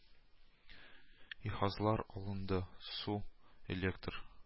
Иһазлар алынды, су, электр